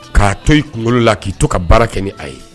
K'a to i kunkolo la k'i to ka baara kɛ ni a ye